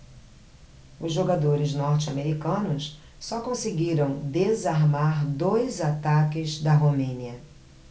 os jogadores norte-americanos só conseguiram desarmar dois ataques da romênia